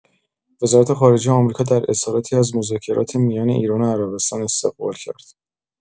وزارت‌خارجه آمریکا در اظهاراتی از مذاکرات میان ایران و عربستان استقبال کرد.